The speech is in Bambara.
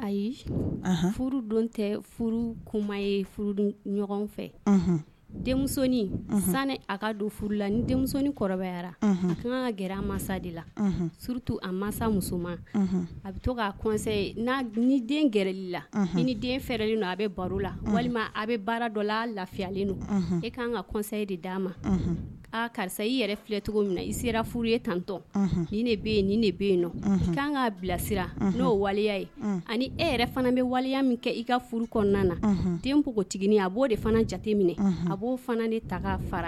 Ayi niyara a bɛ i fɛɛrɛ a bɛ baro la walima a bɛ dɔ a lafiyalen don e k'an ka kɔ de d'a ma karisa i filɛ cogo min i sera furu ye tantɔn bɛ yen bɛ yen nɔ k'an k'a bilasira n'o waliya ye ani e yɛrɛ fana bɛ waliya min kɛ i ka furu kɔnɔna na deninin a b'o de fana jate minɛ a bo fana ne taga fara